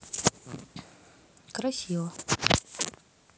красиво